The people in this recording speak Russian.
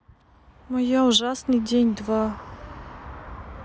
моя ужасный день два